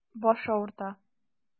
Баш авырта.